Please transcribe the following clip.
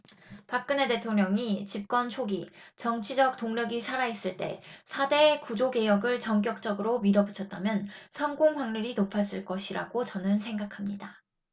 박근혜 대통령이 집권 초기 정치적 동력이 살아 있을 때 사 대 구조 개혁을 전격적으로 밀어붙였다면 성공 확률이 높았을 것이라고 저는 생각합니다